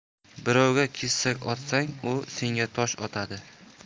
birovga kesak otsang u senga tosh otadi